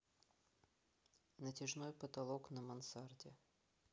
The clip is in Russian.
натяжной потолок на мансарде